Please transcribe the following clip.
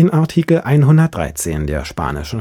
Artikel 113 (1